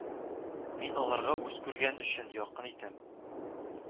Мин аларга үз күргән өчен, якын иткән